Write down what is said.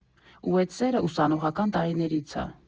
Ու էդ սերը ուսանողական տարիներից ա։